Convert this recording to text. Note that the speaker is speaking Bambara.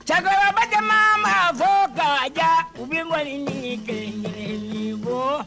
Cɛkɔrɔba caaman mana bɔ ka jan, u bɛ ŋɔni kelenkelen bɔ.